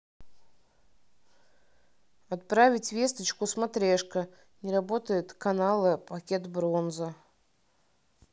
отправить весточку смотрешка не работает каналы пакет бронза